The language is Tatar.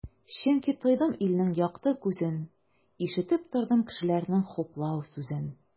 Чөнки тойдым илнең якты күзен, ишетеп тордым кешеләрнең хуплау сүзен.